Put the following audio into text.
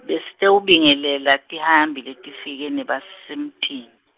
besitewubingelela tihambi letifike nebasemtini.